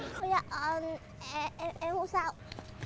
ui da a a em em không sao